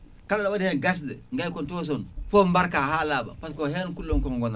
kala ɗo waɗi hen gasɗe gaykon tokoson foof barka ha laaɓa